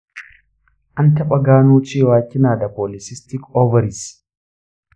an taɓa gano cewa kina da polycystic ovaries?